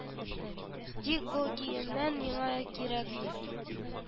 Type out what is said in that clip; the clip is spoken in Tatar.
Тик бу киемнәр миңа кирәкми